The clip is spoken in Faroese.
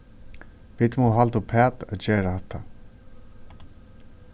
vit mugu halda uppat at gera hatta